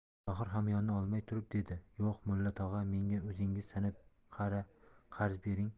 tohir hamyonni olmay turib dedi yo'q mulla tog'a menga o'zingiz sanab qarz bering